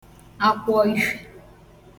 akwọ ifhe